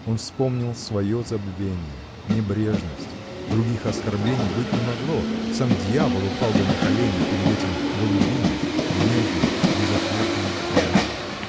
Он вспомнил свое забвение, небрежность, — других оскорблений быть не могло: сам дьявол упал бы на колени перед этим голубиным, нежным, безответным взглядом.